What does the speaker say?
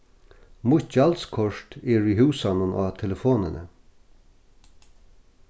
mítt gjaldskort er í húsanum á telefonini